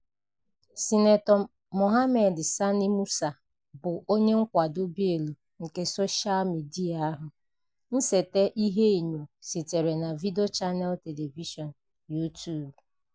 Sinetọ Mohammed Sani Musa bụ onye nkwado bịịlụ maka soshaa midịa ahụ. Nseta ihuenyo sitere na vidiyo Channel Television You Tube.